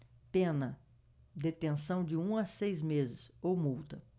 pena detenção de um a seis meses ou multa